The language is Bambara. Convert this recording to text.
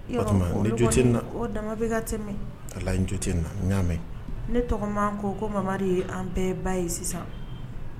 O dama bɛ ka tɛmɛ min ala jo tɛ na n'a mɛn ne tɔgɔ ko ko mamari ye an bɛɛ ba ye sisan